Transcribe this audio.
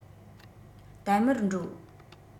དལ མོར འགྲོ